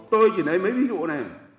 tôi chỉ lấy mấy ví dụ này